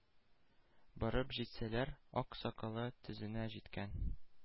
Барып җитсәләр, ак сакалы тезенә җиткән,